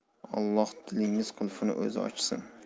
olloh dilingiz qulfini o'zi ochsin